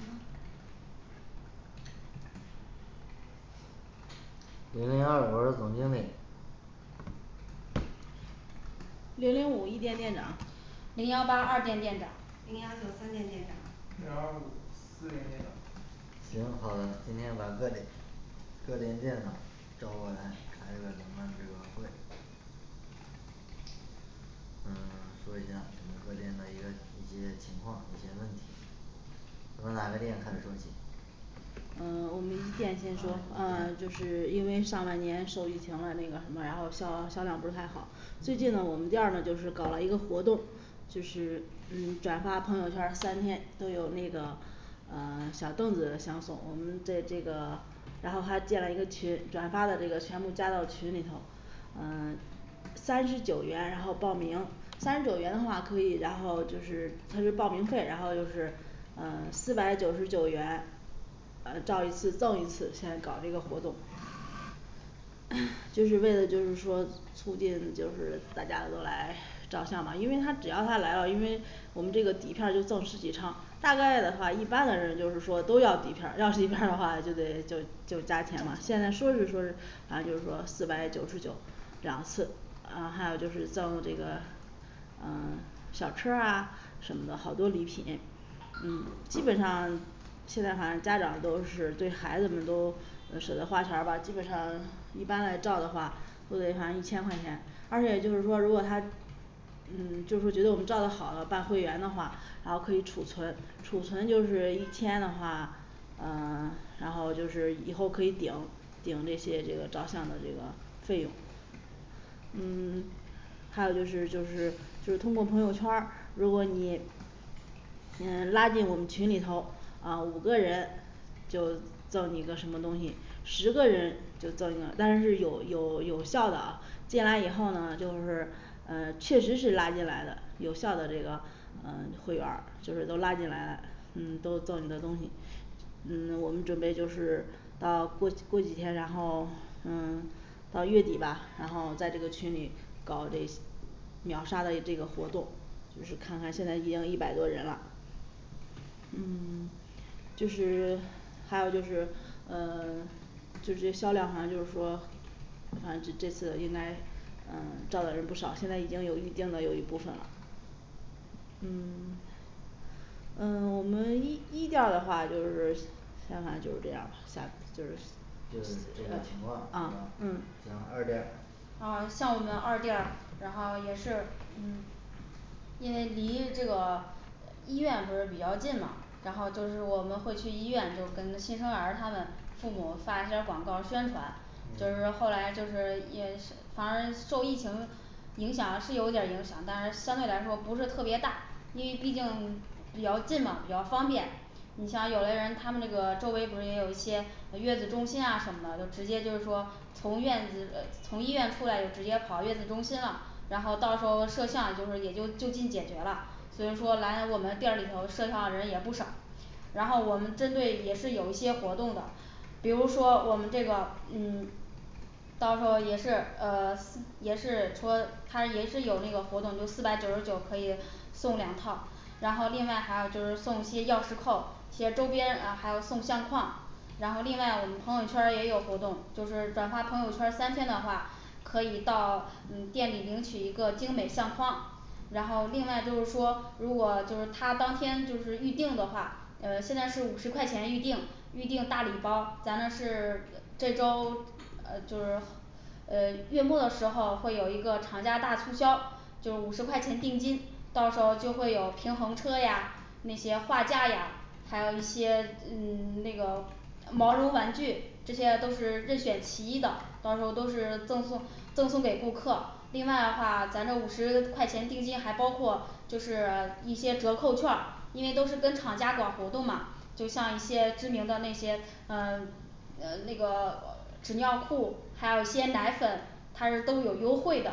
行零零二我是总经理零零五一店店长零幺八二店店长零幺九三店店长零幺五四店店长行好的今天把各地各店店长叫过来开一个咱们这个会嗯说一下你们各店的一个一些情况一些问题从哪个店开始说起嗯 我们一呃一店店先说呃就是因为上半年受疫情的那个什么呀然后销销量不是太好最近呢我们店儿就是搞了一个活动就是嗯转发朋友圈儿三天都有那个嗯小凳子的相送我们在这个然后还建了一个群转发的这个全部加到群里头嗯三十九元然后报名三十九元的话可以然后就是他就是报名费然后就是嗯四百九十九元呃照一次赠一次现在搞这个活动 就是为了就是说促进就是大家都来照相吧因为他只要他来了因为我们这个底片儿就送几张大概的话一般的人就是说都要底片儿要是底片儿的话就得就就加钱了现在说是说是啊就是说四百九十九两次啊还有就是赠这个嗯小车儿啊什么的好多礼品嗯基本上现在反正家长都是对孩子们都呃舍得花钱儿吧基本上一般来照的话都得反正一千块钱而且就是说如果他嗯就会觉得我们照的好的办会员的话然后可以储存储存就是一天的话嗯 然后就是以后可以顶顶这些这个照相的这个费用嗯 还有就是就是就是通过朋友圈儿如果你嗯拉进我们群里头呃五个人就赠你个什么东西十个人就赠一个但是有有有效的啊进来以后呢都是嗯 确实是拉进来的有效的这个嗯会员儿就是都拉进来嗯都赠你个东西嗯 我们准备就是到过过几天然后嗯 到月底吧然后在这个群里搞这秒杀的这个活动就是看看现在已经一百多人了嗯 就是 还有就是呃 就这些销量反正就是说啊这这次应该呃照的人不少现在已经有预定的有一部分了嗯 嗯我们一一店儿的话就是现反正就这样的就就是是这点儿情况啊是吧嗯行二店儿啊像我们二店儿然后也是嗯因为离这个医院不是比较近嘛然后就是我们会去医院就是跟新生儿他们父母发一些广告儿宣传就是说嗯后来就是也是 反正受疫情影响是有点儿影响但是相对来说不是特别大因为毕竟比较近嘛比较方便你像有嘞人他们那个周围不是也有一些呃月子中心啊什么的就直接就是说从院子呃从医院出来就直接跑月子中心了然后到时候摄像就是也就近解决了所以说来我们店里头摄像的人也不少然后我们针对也是有一些活动的比如说我们这个嗯到时候也是呃嗯也是说它也是有那个活动就四百九十九可以送两套然后另外还有就是送一些钥匙扣且周边呃还有送相框然后另外我们朋友圈儿也有活动就是转发朋友圈儿三天的话可以到嗯店里领取一个精美相框然后另外就是说如果就是他当天就是预定的话呃现在是五十块钱预定预定大礼包咱们是这周 呃就是嗯月末的时候会有一个厂家大促销就是五十块钱定金到时候就会有平衡车呀那些画架呀还有一些嗯 那个呃毛绒玩具这些都是任选其一的到时候都是赠送赠送给顾客另外的话咱这五十块钱定金还包括就是一些折扣券因为都是跟厂家搞活动嘛就像一些知名的那些呃 呃那个 纸尿裤还有一些奶粉它是都有优惠的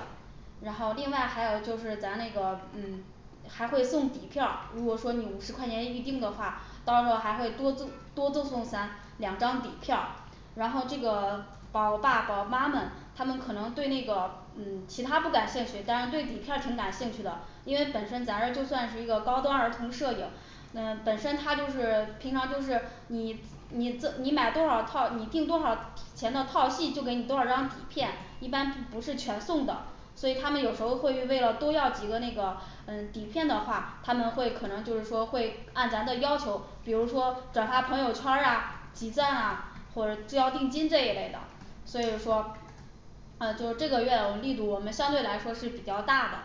然后另外还有就是咱那个嗯还会送底片儿如果说你五十块钱预定的话到时候儿还会多多多赠送咱两张底片儿然后这个宝爸宝妈们他们可能对那个嗯其他不感兴趣但是对底片儿挺感兴趣的因为本身咱这就算是一个高端儿童摄影嗯本身它就是平常就是你你自你买多少套你订多少钱的套系就给你多少张底片一般不是全送的所以他们有时候儿会为了多要几个那个嗯底片的话他们会可能就是说会按咱的要求比如说转发朋友圈儿啊集赞啊或者交定金这一类的所以说呃就是这个月我力度我们相对来说是比较大的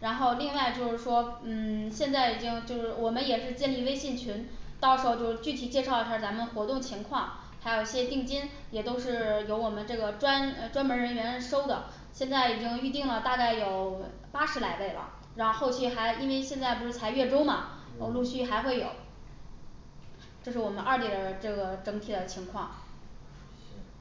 然后另外就是说嗯 现在已经就是我们也是建立微信群到时候儿就具体介绍一下儿咱们活动情况还有一些定金也都是由我们这个专呃专门儿人员收的现在已经预定了大概有八十来位了然后后期还因为现在不是才月中嘛呃陆嗯续还会有这是我们二店儿的这个整体的情况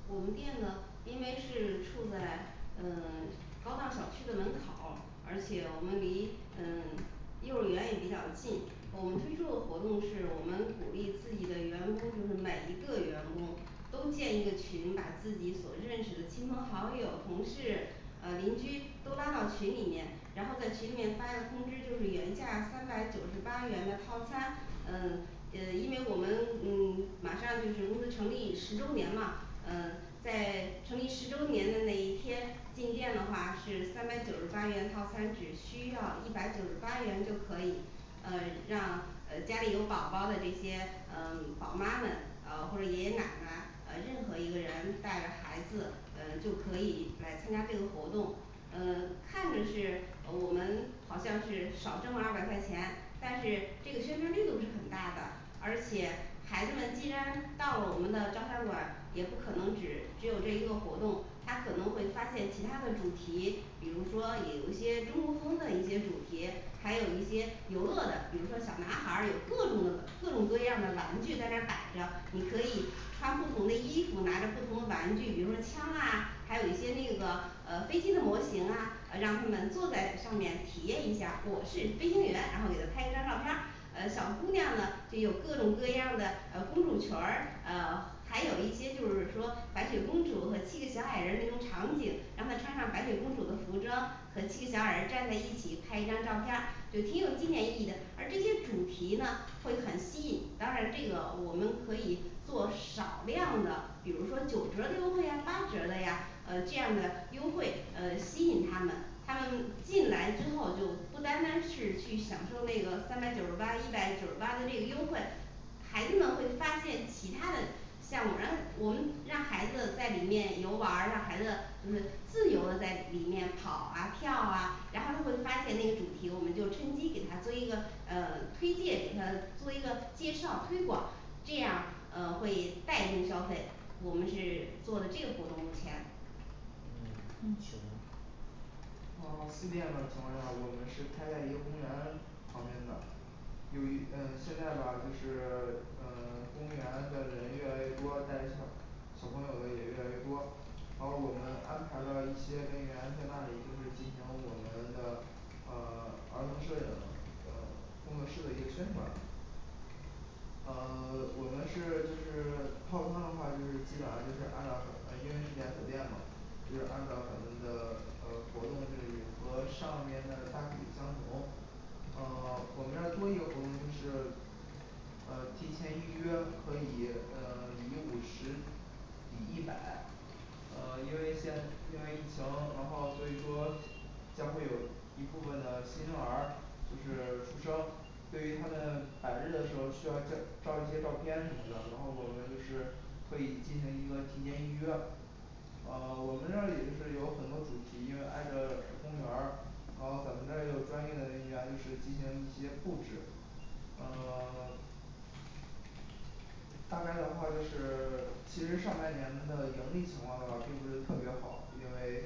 我行们店呢因为是处在嗯 高档小区的门口儿而且我们离嗯 幼儿园也比较近我们推出的活动是我们鼓励自己的员工就是每一个员工都建一个群把自己所认识的亲朋好友同事呃邻居都拉到群里面然后在群里面发一个通知就是原价儿三百九十八元的套餐呃呃因为我们嗯马上就是公司成立十周年嘛嗯在成立十周年的那一天进店的话是三百九十八元套餐只需要一百九十八元就可以呃让呃家里有宝宝的这些嗯宝妈们呃或者爷爷奶奶呃任何一个人带着孩子呃就可以来参加这个活动嗯看着是我们好像是少挣了二百块钱但是这个宣传力度是很大的而且孩子们既然到了我们的照相馆儿也不可能只只有这一个活动他可能会发现其他的主题比如说也有一些中国风的一些主题还有一些游乐的比如说小男孩儿有各种那个各种各样的玩具在那儿摆着你可以穿不同的衣服拿着不同的玩具比如说枪啊还有一些那个呃飞机的模型啊让他们坐在上面体验一下我是飞行员然后给他拍一张照片儿呃小姑娘呢就有各种各样的呃公主裙儿呃还有一些就是说白雪公主和七个小矮人儿那种场景让她穿上白雪公主的服装和七个小矮人儿站在一起拍一张照片儿就挺有纪念意义的而这些主题呢会很吸引当然这个我们可以做少量的比如说九折儿的优惠呀八折的呀呃这样的优惠呃吸引他们他们进来之后就不单单是去享受那个三百九十八一百九十八的那个优惠孩子们会发现其他的项目然后我们让孩子在里面游玩儿啊让孩子就是自由的在里面跑啊跳啊然后他会发现那个主题我们就趁机给他做一个呃推荐给他做一个介绍推广这样呃会带进消费我们是做的这个活动目前嗯 行然后四店的情况下我们是开在一个公园儿旁边的由于呃现在吧就是呃 公园的人越来越多但是小小朋友呢也越来越多然后我们安排了一些人员在那里就是进行了我们的呃 儿童摄影的工作室的一个宣传呃 我们是就是套餐的话就是基本上就是按照因为是连锁店嘛就按照咱们的呃活动日的一个和上面的大体相同呃 我们这儿多一个活动就是呃提前预约可以呃以五十抵一百呃因为现因为疫情然后所以说将会有一部分的新生儿就是出生对于他们百日的时候需要照照一些照片什么的然后我们就是可以进行一个提前预约呃 我们那儿也是有很多主题因为挨着公园儿然后咱们这儿也有专业的人员就是进行一些布置呃 大概的话就是 其实上半年的盈利情况吧并不是特别好因为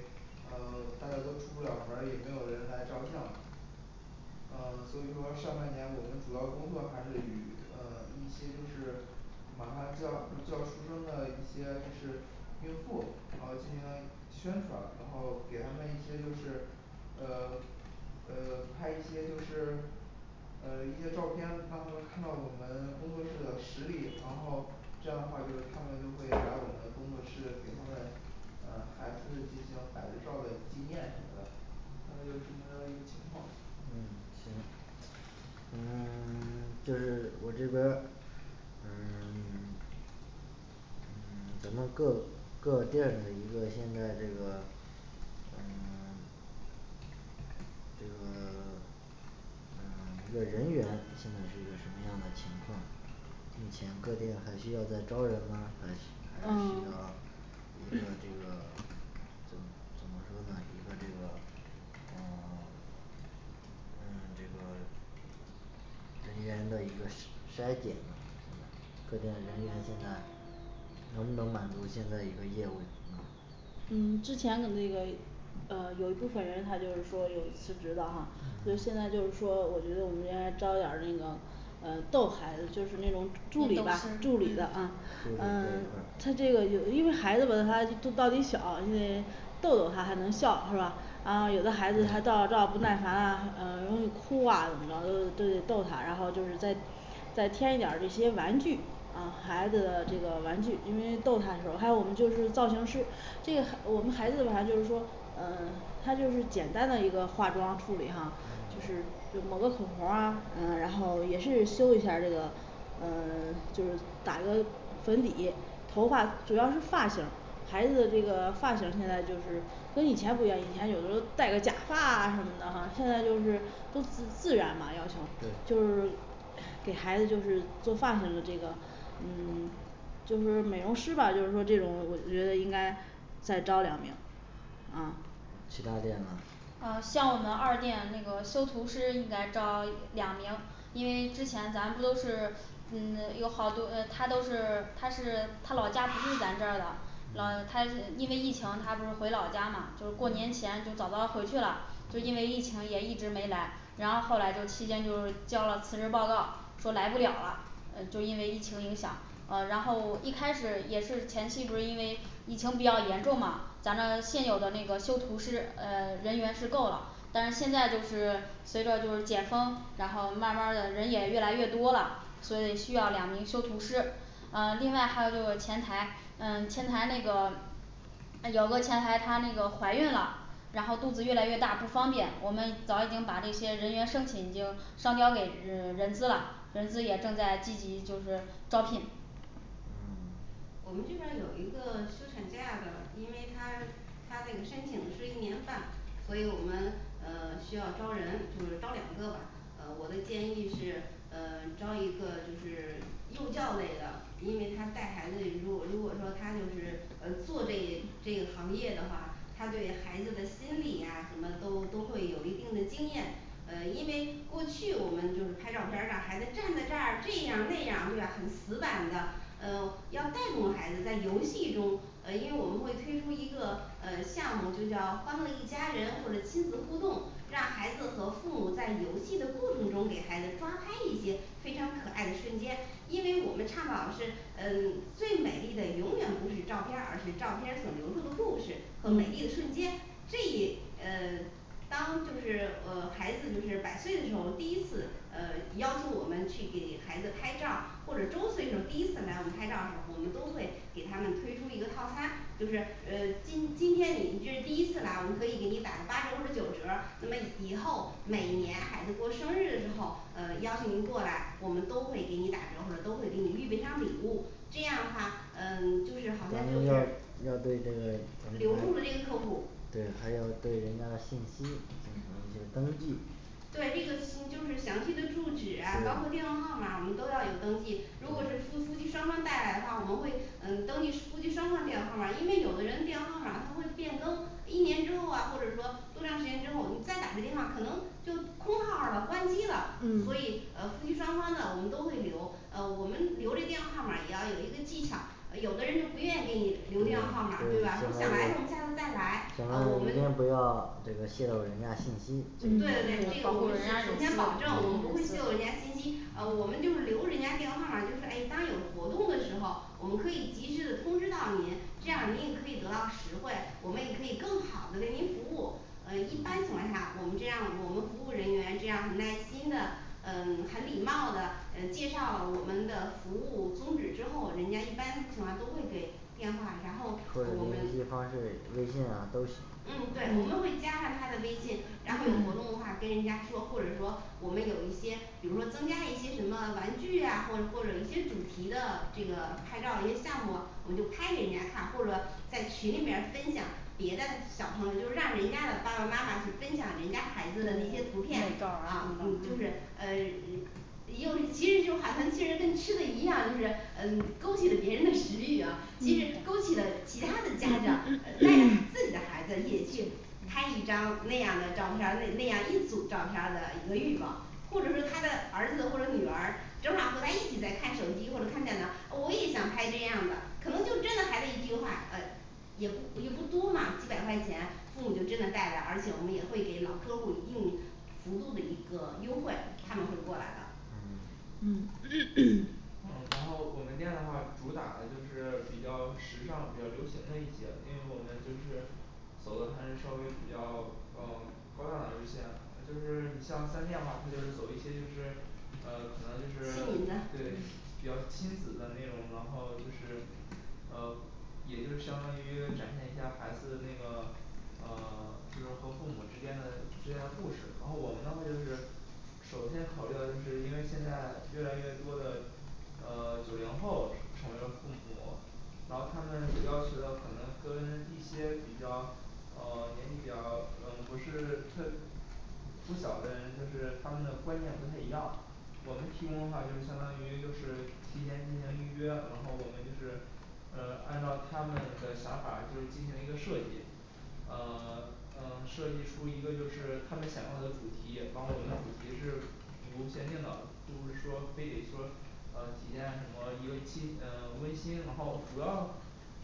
呃大家都出不了门儿也没有人来照相呃所以说上半年我们主要工作还是与呃一些就是马上就要就要出生的一些就是孕妇然后进行宣传然后给他们一些就是呃呃拍一些就是呃一些照片让他们看到我们工作室的实力然后这样的话就他们就会来我们工作室给他们呃孩子进行百日照的纪念什么的大概就这么样一个情况嗯 行嗯 就是我这边儿嗯 嗯 咱们各各店的一个现在这个嗯 这个 嗯 一个人员现在是什么样的情况目前各店还需要再招人吗还需还是嗯需要 &&一个这个怎怎么说呢一个这个嗯 那这个人员的一个筛 筛减各店人员现在能不能满足现在一个业务吗嗯之前个那个呃 有一部分人他就是说有辞职的啊所以嗯现在就是说我觉得我们应该招点儿那个嗯逗孩子就是那种助引理逗啊师助理的啊助理这嗯啊 他一块儿这个有因为孩子吧他说到底小因为逗逗他还能笑是吧然后有的孩子他照着照着不耐烦啊呃容易哭啊怎么着都都得逗他然后就是在再添一点儿这些玩具啊孩子的这个玩具因为逗她时候还有我们就是造型师这个孩我们孩子反正就是说呃他就是简单的一个化妆处理啊就是只抹个口红啊呃然后也是修一下儿这个呃 就是打个粉底头发主要是发型孩子的这个发型现在就是跟以前不一样以前有的时候带个假发啊什么的哈现在就是自自然啊要求就是对给孩子就是做发型的这个嗯 就是美容师吧就是说这种我觉得应该再招两名啊其他店呢啊像我们二店那个修图师应该招两名因为之前咱不都是嗯 有好多嗯他都是他是他老家不是咱这儿的那他嗯因为疫情他不是回老家嘛就过年嗯前就早早回去了就因为疫情也一直没来然后后来就期间就交了辞职报告说来不了啦嗯就因为疫情影响呃然后一开始也是前期不是因为疫情比较严重嘛咱那现有的那个修图师呃人员是够了但是现在就是随着就是解封然后慢儿慢儿的人也越来越多了所以得需要两名修图师呃另外还有就是前台嗯前台那个呃有个前台她那个怀孕了然后肚子越来越大不方便我们早已经把那些人员申请已经上交给人人资了人资也正在积极就是招聘嗯我们这边儿有一个休产假的因为她她这个申请是一年半所以我们呃 需要招人就是招两个吧呃我的建议是嗯招一个就是幼教类的因为她带孩子如果如果说她就是呃做这这个行业的话她对于孩子的心理啊什么都都会有一定的经验呃因为过去我们就是拍照片儿让孩子站在这儿这样那样对吧很死板的嗯要带动孩子在游戏中呃因为我们会推出一个呃项目就叫欢乐一家人或者亲子互动让孩子和父母在游戏的过程中给孩子抓拍一些非常可爱的瞬间因为我们倡导的是嗯 最美丽的永远不是照片儿而是照片儿所留住的故事和美丽的瞬间这一呃 当就是呃孩子就是百岁的时候第一次呃要求我们去给孩子拍照儿或者周岁的时候第一次来我们拍照儿的时候我们都会给他们推出一个套餐就是嗯今今天你你这是第一次来我们可以给你打个八折或者九折儿那么以后每年孩子过生日的时候呃邀请您过来我们都会给你打折或者都会给你预备上礼物这样儿的话呃就是好像就咱是要要对这个留住了这个客户对还有对人家的信息进行一个登记对这个嗯就是详细的住址啊&嗯&包括电对话号码儿我们都要有登记如果是夫对夫妻双方带来的话我们会嗯登记夫妻双方电话号码儿因为有的人电话号码儿他会变更一年之后啊或者说多长时间之后你再打个电话可能就空号儿了关机了所以嗯呃夫妻双方的我们都会留呃我们留这电话号码儿也要有一个技巧呃有的人就不愿意给对对嗯咱们你留电话号码儿对吧我想来我们下次再来呃我们一定不要这个泄露人家信息对对对这个这一嗯方面我们是首先保证我们不会泄露人家信息呃我们就留人家电话号码儿就是诶当有活动的时候我们可以及时的通知到您这样您也可以得到实惠我们也可以更好的为您服务呃一般情况下我们这样我们服务人员这样很耐心的嗯很礼貌的呃介绍了我们的服务宗旨之后人家一般情况都会给电话然后或者我联系方式们微信啊都行嗯对我们会加上他的微信然后有活动的话跟人家说或者说我们有一些比如说增加一些什么玩具呀或者或者一些主题的这个拍照儿一些项目我们就拍给人家看或者在群里面儿分享别的小朋友就让人家的爸爸妈妈去分享人家孩对对子的那些图对片美照儿呃啊什么就的是嗯又其实就好像是跟吃的一样就是嗯勾起了别人的食欲啊其实勾起了其他的家长呃带着自己的孩子也去拍一张那样的照片儿那那样一组照片儿的一个欲望或者说他的儿子或者女儿正好儿和他一起在看手机或者看见了我也想拍这样儿的可能就真的孩子一句话呃也不也不多嘛几百块钱父母就真的带来而且我们也会给老客户一定幅度的一个优惠他们会过来的嗯嗯 嗯然后我们店的话主打的就是比较时尚比较流行的一些因为我们就是走的还是稍微比较哦高档的路线就是你像三店话它就是走一些就是呃可能就是亲民的对比嗯较亲子的那种然后就是呃也就是相当于展现一下孩子那个呃 就是和父母之间的之间的故事然后我们的话就是首先考虑的就是因为现在越来越多的呃 九零后成为了父母然后他们有要求的可能跟一些比较呃 年纪比较呃不是特不小的人就是他们的观念不太一样我们提供的话就相当于就是提前进行预约然后我们就是呃按照他们的那个想法儿就是进行一个设计呃 呃设计出一个就是他们想要的主题包括我们主题是不限定的不是说非得说呃体现什么一个亲呃温馨然后主要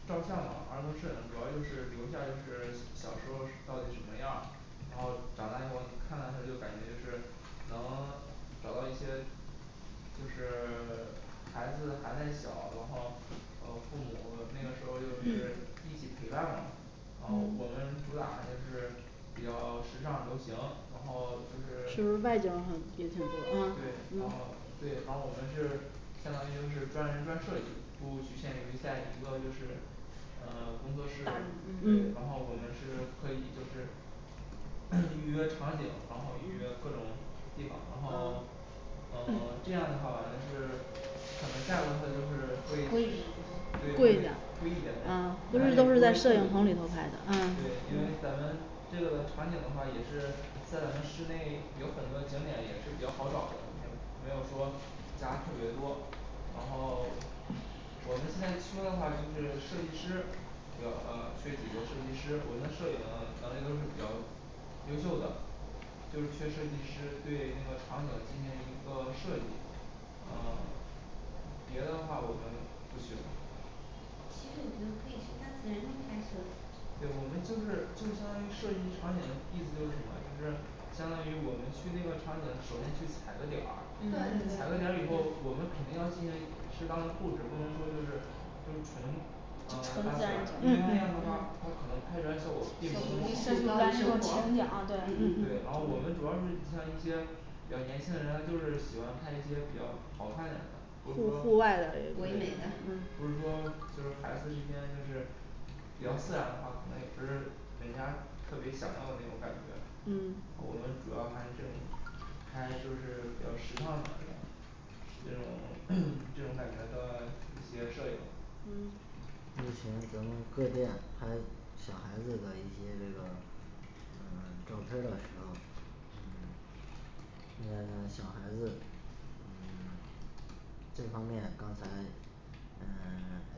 照相嘛儿童摄影主要就是留下就是小时候是到底什么样儿然后长大以后看的时候就感觉就是能找到一些就是 孩子还太小然后呃父母那个时候就&嗯&是一起陪伴嘛然后&嗯&我们主打的就是比较时尚流行然后就是对适用于外景然很也挺多后啊嗯对然后我们是相当于就是专人专设计不局限于在一个就是呃工作室大嗯对嗯然后我们是可以就是 预约场景然后预约各种地方然后呃 这样的嗯话是可能价格它就是会贵对会贵贵一点一点点啊儿但是也不是特别贵对啊因为咱们这个场景的话也是在咱们市内有很多景点也是比较好找的也没有说加的特别多然后 我们现在缺的话就是设计师比较呃缺几个设计师我们的摄影能力都是比较优秀的就是缺设计师对那个场景进行一个设计呃 别的话我们不缺其实我觉得可以去大自然中拍摄对我们就是就相当于设计一个场景意思就是什么就是相当于我们去那个场景首先去踩个点对对儿踩个嗯点儿以后我们对肯定要进行一适当的布置不能说就是就是纯呃就纯大自自然然因为景那样的啊话它可嗯能拍出来效果并不是设计特出来那种情别景好对对嗯然后嗯我们主要嗯是你像一些比较年轻人啊就是喜欢拍一些比较好看点儿的不是户说户外的对唯美的嗯不是说就孩子之间就是比较自然的话可能也不是人家特别想要的那种感觉嗯我们主要还是这种拍嘞就是比较时尚点儿的这种 这种感觉的一些摄影嗯目前咱们各店还有小孩子的一些这个嗯照片儿的时候这个嗯 小孩子嗯这方面刚才嗯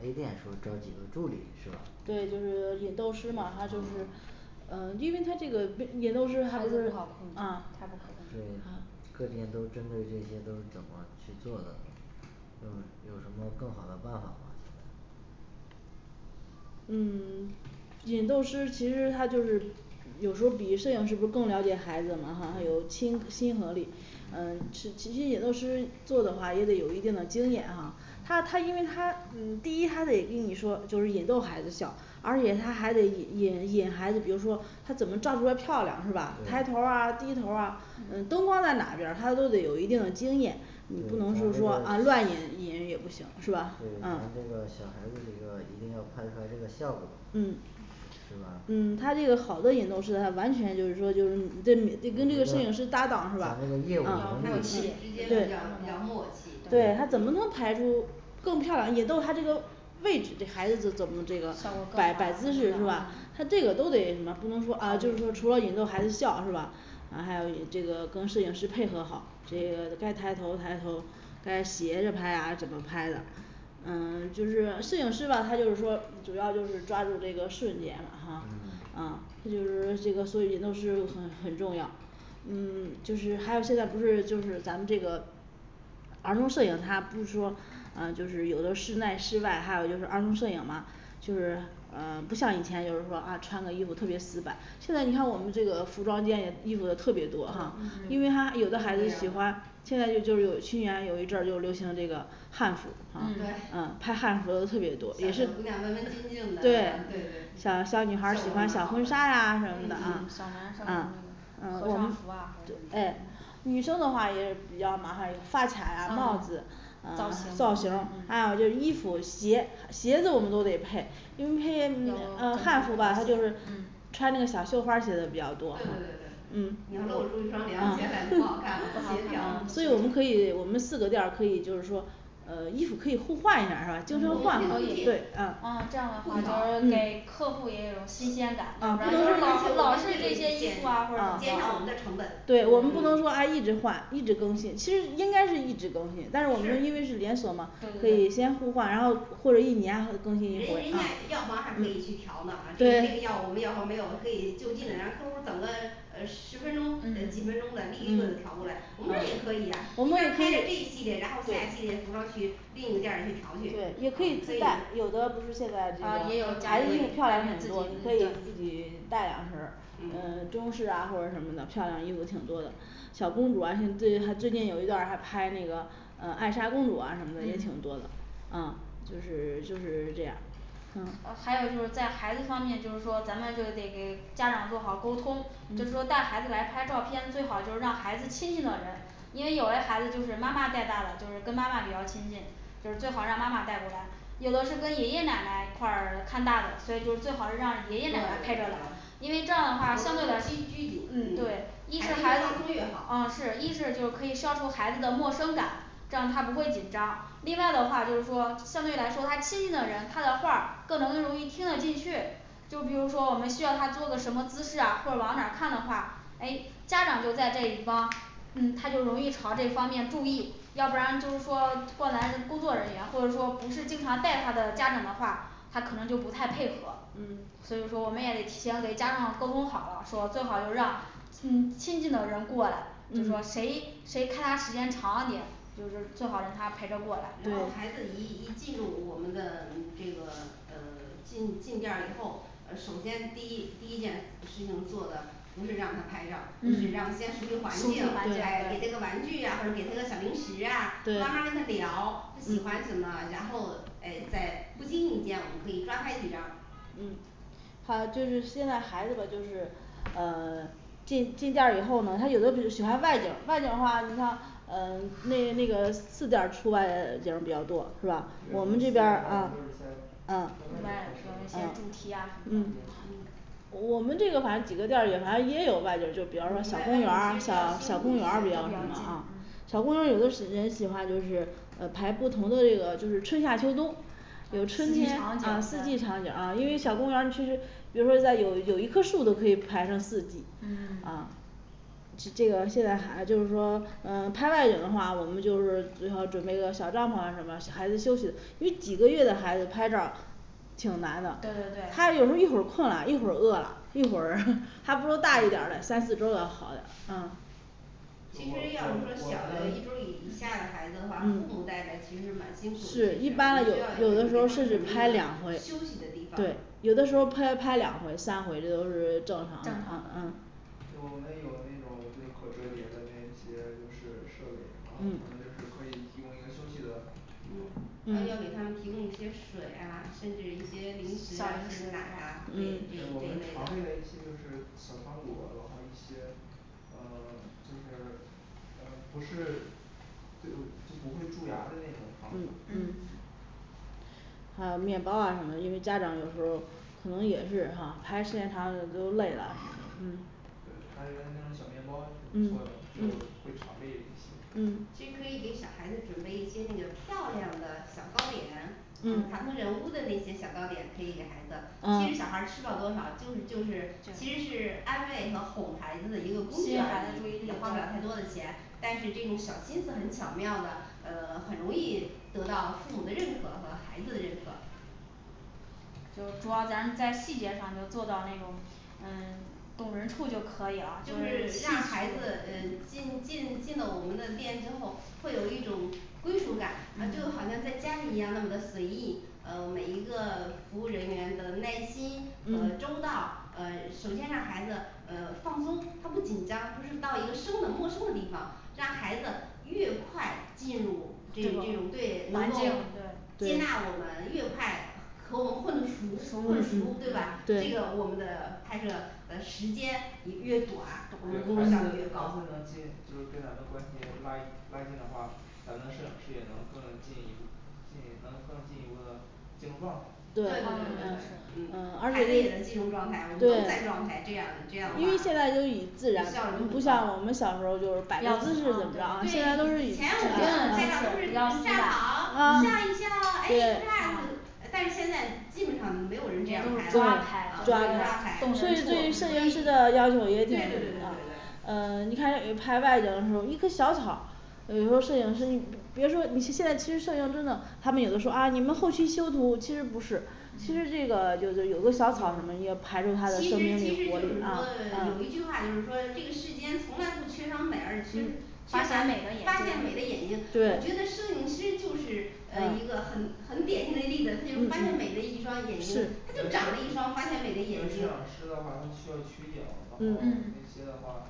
A店说招几个助理是吧对嗯就是引逗师嘛他就是呃因为他这个为 也都是孩孩子不子好控制嗯他不可控对各店都针对这些就都怎么去做呢有有什么更好的办法吗现在嗯 引逗师其实他就是有时候儿比摄影师不是更了解孩子嘛哈他有亲亲和力呃其实其实引逗师做的话也得有一定的经验哈她她因为她嗯第一她得跟你说就是引逗孩子笑而且她还得引引孩子比如说她怎么照比较漂亮是吧抬头对儿啊低头儿啊嗯灯放在哪边儿她都得有一定的经验就咱这个对咱这个小你不能就是说啊乱引引也不行是吧嗯孩子这个一定要拍出来他这个效果嗯是吧嗯她这个好的引逗师呢她完全就是说就是就比如说咱那跟跟这个摄影师搭档是吧个啊业务能啊力他们之之间的比较比较默契对她怎么能拍出送片儿引逗他这个位置这孩子怎怎么效果更好啊什么的嗯这个啊摆摆姿势是吧他这个都得什嗯么不能说啊就是说除了引逗孩对子笑是吧呃还有这个跟摄影师配合好这个该抬头抬头该斜着拍啊怎么拍了嗯 就是摄影师吧他就是说主要就是抓住这个瞬间嘛哈嗯啊他就是所以说这个作为引逗师很很重要嗯就是还有现在不是就是咱们这个儿童摄影他不是说呃就是有的室内室外还有就是儿童摄影啊就是呃不像以前就是说啊穿的衣服特别死板现在你看我们这个服装间的衣服的特别多嗯对是啊因为它有的孩子喜欢这样的现在就就是有去年有一阵儿就流行那个汉服嗯对小小姑啊拍汉服的特别多对娘文文静静的呃对对效小果小女蛮孩穿好着婚纱呀的什么啊啊的小男呀什生嗯么啊嗯那的皇上服啊呃什对么女生的话也比较麻烦有发卡呀帽嗯子啊造造型型儿还有嗯这衣服鞋鞋子我们都得配因为配啊汉服吧她就嗯穿的小绣花儿鞋的对对对比较多啊对你要嗯露出一双凉鞋来就不不好好看看了不不协协调调所以我们可以我们四个店儿可以就是说 呃衣服可以互换一下儿呃这样的话我们可以互借互调嗯对而而且我们这也减减是吧就能缓和一对啊就是给客户也有新鲜感要不然啊不能说是老老是这些衣服啊或者怎少我么们着的啊成本对对对对我们不能说啊一直嗯换一直更新其实应该是是一直更是对对对人人家药房还新但是我们因为是连锁嘛对先互换然后或者过了一年后更新啊可以去调呢啊这这对个药我们要没有可以就近的让客户儿等个呃十分钟呃几分钟的嗯立即给调过啊来我我们这们儿也可以呀我们这也儿可开以着对这一系对列然后下一期的服装去另一个店儿去调去啊也可以自带有的不是现在这啊个也有有漂家亮的衣里服感觉挺自多我们可以己自嗯己对带两身儿嗯嗯中式啊或者什么的漂亮衣服挺多的小公主哇她最近最近有一段儿还拍那个呃爱莎公主啊什么的也挺多的嗯呃就是 就是这样儿嗯呃还有就是在孩子方面就是说咱们就得给家长做好沟通就说带嗯孩子来拍照片最好就是让孩子亲近的人因为有的孩子就是妈妈带大的就是跟妈妈比较亲近就是最好让妈妈带过来有的是跟爷爷奶奶一块儿看大的所以就最好是让爷爷对奶奶陪着来对因为这否则越拘拘谨嗯孩子越放松样的话相对来说嗯对一是孩子越啊好是一是就是可以消除孩子的陌生感这样他不会紧张另外的话就是说相对来说他亲近的人他的话儿更能容易听得进去就比如说我们需要他做个什么姿势啊或者往哪儿看的话诶家长就在这一方嗯他就容易朝这方面注意要不然就是说光咱这工作人员或者说不是经常带他的家长的话他可能就不太配合所嗯以说我们也得提前给家长沟通好了说最好就让亲近嗯的人过来就是说嗯谁谁看他时间长点就是最好让他陪着过来然后孩子一一进入我们的嗯这个呃 进进店儿以后呃首先第一第一件事情做的不是让他拍照嗯适是让他先熟悉应环环境境哎给对他个玩具啊或者给他个小零食啊对慢儿慢儿跟他聊他喜欢什嗯么然后诶在不经意间我们可以抓拍几张嗯还有就是现在孩子们就是呃 进进店儿以后呢他有的是喜欢外景外景的话你像呃 那那个四店儿出外景儿比较多是对我们四店大部分都是在在外边儿拍吧我们这边儿啊嗯嗯啊户外的有一摄些主题啊的什么对的挺嗯好我们这个反正几个店儿也反正也有吧嗯外外景就其就实比比较方说辛外苦一景啊些小小嗯公园儿啊小公园儿嗯有的是人喜欢就是呃拍不同的这个就是春夏秋冬有春四季天场啊四季场景对景啊啊因为小公园儿其实比如说外有有一棵树都可以拍成四季嗯啊 是这个现在孩 就是说呃拍外景的话我们就是最好准备个小帐篷啊什么孩子休息你几个月的孩子拍照儿挺对对难的他有时候对一会儿困了一会儿饿了一会儿对对 还不如大一点儿的三四对周了要好一点儿嗯其就说我实要我是们说小呃一周的以下的嗯孩子的话父母带着其实蛮辛嗯苦的其实我是一般们了需有要有的有时时候候甚至给他们准拍备两一回个休息的地对方有的时候儿拍拍两回三回就都是正正常常嗯嗯就我们有那种就是可折叠的那一些就是设备然后他们就是可嗯以提供一个休息的嗯二要给他们提供一些水呀甚至一些零食小呀零一食些奶呀对这嗯我们常这一备类的的一些就是小糖果然后一些呃 就是呃 不是就就不会蛀牙的那种糖果嗯嗯还有面包啊什么因为家长有时候儿可能也是哈拍时间长了也都累了嗯对还有那种小面包挺不错的就嗯会常备一嗯些其实可以给小孩子准备一些那个漂亮的小糕点就是卡通嗯人物的那些小糕点可以给孩子儿嗯其实小孩儿吃不了多少就是就是其实对是安慰和哄孩子的一个工具而已也花不了太多的钱但是这种小心思很巧妙的呃 很容易得到父母的认可和孩子的认可就是主要咱们在细节上要做到那种嗯 动人处就可以了就就是是细处让孩子呃进进进了我们的店之后会有一种归属感啊就好像在嗯家里一样那么的随意呃每一个服务人员的耐心和嗯周到呃 首先让孩子呃放松他不紧张不是到一个生的陌生的地方让孩子越快进入这这种对环能够境对接纳对我们越快和我们熟嗯混的熟混熟对吧这个对我们的拍摄的时间越越短对孩子孩我们工作效率越子高能近就跟咱们关系拉拉近的话咱们的摄影师也能更进一步进能更进一步的进入状态对对对嗯呃孩子也能进入状态我们都在状态这对样这样的话因为效现率就很对在高对都以以以自前然像不像我我们们小小时时候候儿就拍摆照个都姿是势站就行好啊笑现在都是啊对一笑诶咔嗯都是抓拍嚓了一下对子但是现在基本上就没有人这样拍了啊你得抓拍所以对对对摄影师对的要求也挺高呃你看你拍外景的时候儿一棵小草呃比如说摄影师你 比如说你现在其实摄影真的他们也都说啊你们后期修图其实不是其实这个就是有个小草什么其实其实就是说拍出它的生命力活力啊啊有一句话就是说这个世间从来不缺少美而缺嗯缺发少发现现美美的的眼眼睛睛我觉得摄对影师就是呃一个很啊很典型的例子他就发现美的一双眼其实摄其实摄影师的话他睛他就长了一双发现美的眼睛需要取景然后嗯嗯嗯那些的话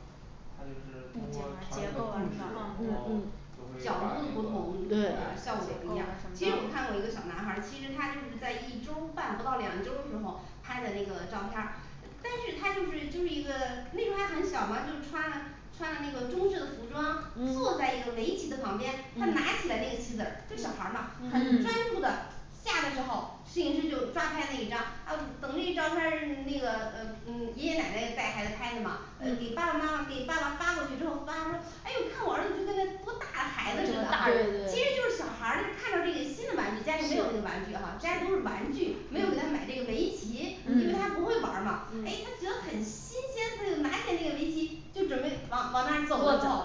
他就是布通景过啊场结景的构了布置是吧啊然对嗯后就角度会的不把同那对个效果啊也不一样其实我看过一个小男孩其实他就是在一周儿半不到两周儿的时候拍的那个照片儿呃但是他就是就是一个那时候还很小嘛就穿了穿了那个中式的服装坐嗯在一个围棋的旁边他拿起来那个嗯棋子儿就小孩儿嘛很专注嗯的下的时候摄影师就抓拍了一张呃等那照片那个呃嗯爷爷奶奶带孩子拍的嘛给爸爸妈妈给爸爸发过去之后发现说哎看我儿子就跟那多大的啊孩子似的&大对人儿&其实就是小孩对看到这个新的玩具&嗯&家里没有那个玩具哈家里都是玩具没有给她买这个围棋&嗯&因为他不嗯会玩嘛&嗯&他觉得嗯嗯很新鲜&嗯&他就拿起来那个围棋就准备往往那走了之后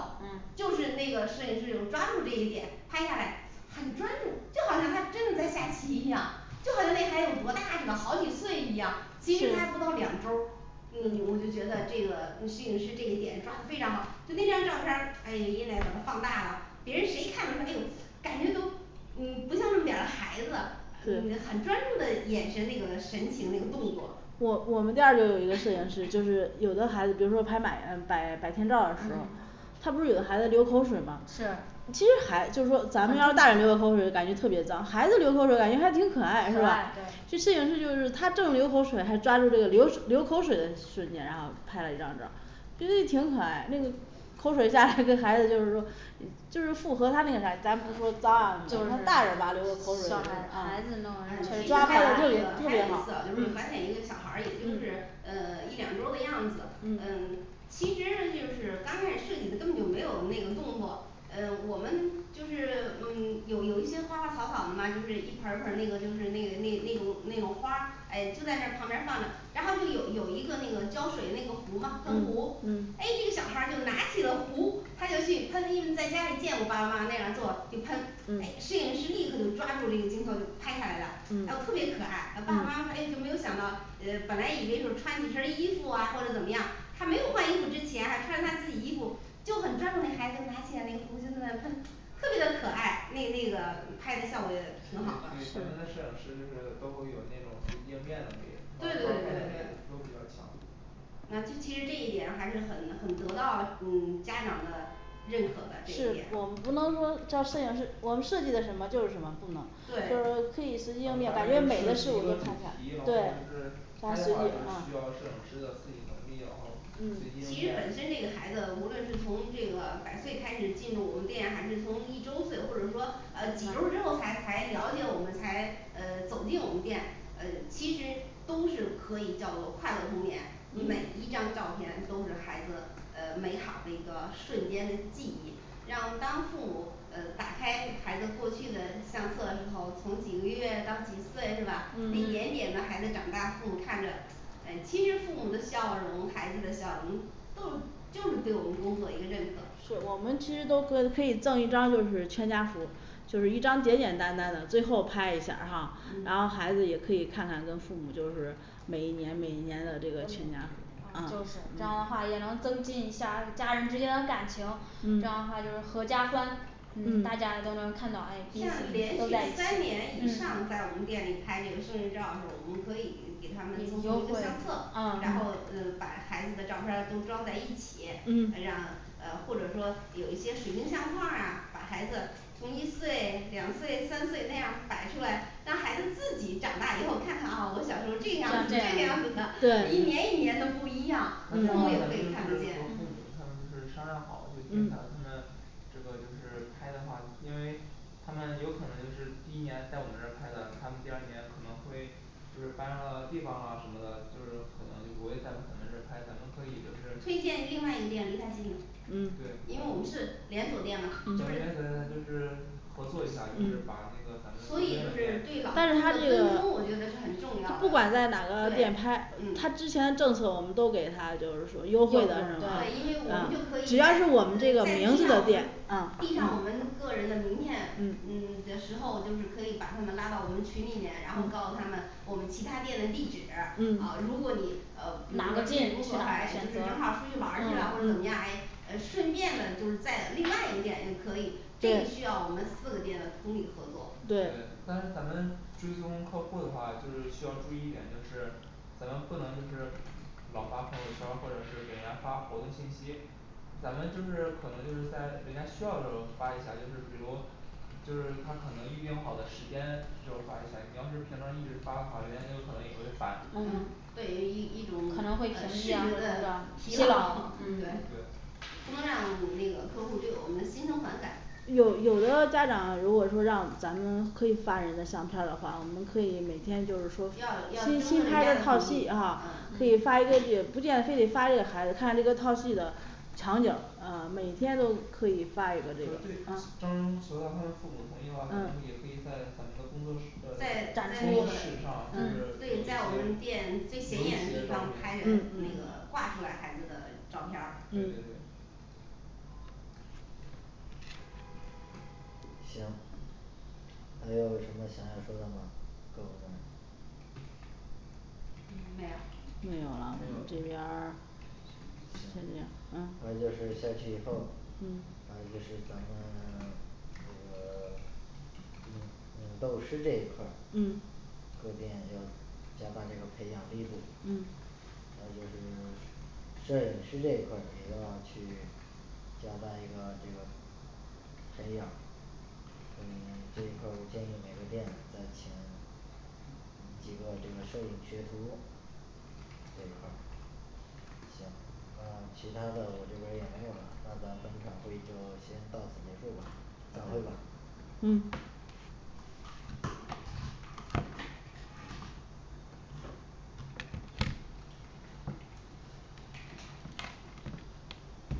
就是那个摄影师有抓住这一点拍下来很专注就好像他真的在下棋一样就好像那孩子有多大似的好几岁一样其实他不到对两周儿嗯我就觉得这个嗯摄影师这个点抓的非常好就那张照片哎你那把它放大了别人谁看都说哎呦感觉都嗯不像那么点儿孩子嗯很专注的眼神那个神情那个动作我我们店儿就有一个摄影师就是 有的孩子比如说拍买呃百百天照的时候儿嗯他不是有个孩子流口水嘛其是实孩子就是说咱们让大人流的口水感觉特别脏孩子流口水感觉还挺可爱是可吧爱就对摄影师就是他正流口水他抓住这个流流口水的瞬间然后拍了一张照儿其实挺可爱那口水下来跟孩子就是说 嗯嗯其实还有一次还有一次就符合他那个啥咱不说就是小孩脏呃就是他大人吧就流口水啊孩子弄确实挺可爱就是发现一个小嗯孩也就是嗯嗯 一两周儿的样子呃嗯其实就是刚才设计的根本就没有那个动作嗯我们就是嗯 有有一些花花草草的嘛就是一盆盆那个就是那个那那种那种花儿哎就在那旁边放着然后就有有一个那个浇水那个壶嘛喷壶嗯哎嗯这个小孩儿就拿起了壶他就去喷因为在家里见过爸爸妈妈那样做就喷诶摄嗯影师立刻就抓住这个镜头就拍下来了嗯然后特别可爱爸爸妈嗯妈就没有想到呃本来以为是穿几身衣服啊或者怎么样他没有换衣服之前还穿他自己衣服就很专注那孩子就拿起来那个壶就在那儿喷特别的可爱那那个嗯拍的效果也对对咱们的挺好摄的影师就是都会有那种随机应变能力抓对拍对对能力对都比较强那其其实这一点还是很很得到嗯家长的认可的这一是点我们对不能说叫摄影师我们设计的是什么就是什么不能就说对可以我们大概就是设计一个主题然后随机应变感觉美的事物都拍下对就是拍的话就是需要摄影师的自己能力然后嗯随机其应实本身这个变孩子无论是从这个百岁开始进入我们店还是从一周岁或者说呃几周儿之后才才了解我们才呃走进我们店呃其实都是可以叫做快乐童年每一张照片都是孩子呃美好的一个瞬间记忆让当父母呃打开孩子过去的相册的时候从几个月到几岁是吧一点点的嗯嗯孩子长大父母看着呃其实父母的笑容孩子的笑容都 就是对我们工作的一个认可是我们其实都是可以赠一张就是全家福儿就是一张简简单单的最后拍一下哈然后嗯孩子也可以看看跟父母就是每一年每一年的这个全家福啊嗯就是这样的话也能嗯增进一下儿家人之间的感情这样的话就是合家欢像嗯大家都能看到哎彼此连都续在一三起年以上嗯在我们店里拍这个生日照的时候我们可以给他们做优一个惠相册啊然后呃把孩子的照片都装在一起嗯让呃或者说有一些水晶相框啊把孩子从一岁两岁三岁那样摆出来让孩子自己长大以后看看呃我小时候这个样子的那个样子的一年一对年的不一样那这样的话咱们就是和父母父母也可以看得见 嗯他们就是商量好就定嗯下来他们这个就是拍的话因为他们有可能就是第一年在我们这儿拍的他们第二年可能会就是搬了地方了什么的就是可能就不会在咱们这拍咱们可以就是对咱推荐们咱另外一个们店离他近的嗯因为我们是连连锁锁店店他就是是合作一下就是把那个咱所们以就周边的是对店老客但户的是他这追个踪我觉得是很重要的对嗯对因不为我们管在哪个就可以店在拍嗯在他递之上前的我们政递策我们都给他就是说优惠的政策啊啊只要是我们这个名字的店啊上我们个人的名片嗯的时候就是可以把他们拉到我们群里面然后告诉他们我们其他店的地址嗯哦如果你呃比如哪说个进近就是去哪个选择正好啊出去玩去了或者怎么样诶呃顺便的就是在另外一个店也可以这个需要我对们四个店的通力合作对对但是咱们追踪客户的话就是需要注意一点的就是咱们不能就是老发朋友圈或者是给人家发活动信息咱们就是可能就是在人家需要的时候发一下就是比如嗯就是他可能预定好的时间就发一下你要是平常一直发的话人家有可能也会烦嗯嗯对对一一种可能啊会屏视蔽啊觉或者怎么的整疲疲劳劳嗯嗯对不能让那个客户对我们心生反感有有的家长如果说让咱们可以发人的相片的话我们可以每天就要要征得人家是说新新拍的的套同系意呃啊可以发一个这个不见的非得发这个孩子看这个套系的就对征场景呃每天都可以发一个这个啊嗯求到他们父母同意的话咱们也可以在咱们的工作室呃 在在在工作室上就是嗯留一对些留一些在照片我们店最对显眼对的对地方拍那个挂出来孩子的照片儿嗯行还有什么想要说的嘛各部门儿嗯没没有没有有啦这边儿就行这点儿还有就是下去以后嗯还嗯有就是咱们 这个 引引逗乐师这一块儿嗯各店要加大这个培养力度嗯还有一个就是摄影师这一块儿也要去加大一个这个培养嗯 这一块儿我建议每个店再请嗯几个这个摄影学徒这一块儿行那其他的我这边儿也没有了那咱们本场会议就先到此结束吧散会吧嗯